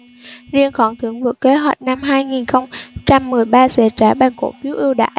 riêng khoản thưởng vượt kế hoạch năm hai nghìn không trăm mười ba sẽ trả bằng cổ phiếu ưu đãi